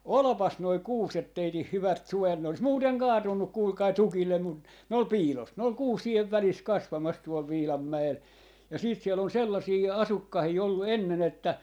olipas nuo kuuset teidän hyvät suojat ne olisi muuten kaatunut kuulkaa tukille mutta ne oli piilossa ne oli kuusien välissä kasvamassa tuolla Viilanmäellä ja sitten siellä on sellaisia asukkaita ollut ennen että